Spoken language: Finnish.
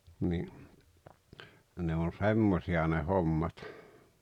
niin ne on semmoisia ne hommat